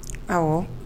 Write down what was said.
Awɔ